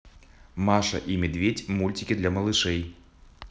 маша и медведь мультики для малышей